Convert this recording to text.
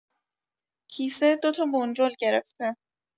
کیسه دوتا بنجل گرفته